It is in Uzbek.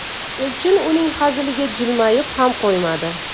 elchin uning haziliga jilmayib ham qo'ymadi